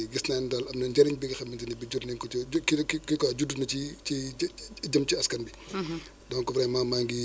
tàngaay bi yokku bon yokku bi nga xamante ne ni daf koy yokk nag dafay créer ay ay kii quoi ay gaz à effet de serre yi nga xamante ne bi donc yu bëri la quoi